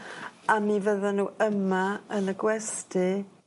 ... a mi fyddan n'w yma yn y gwesty.